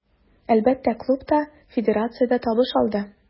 Әлбәттә, клуб та, федерация дә табыш алды.